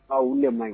Aa olu de maɲi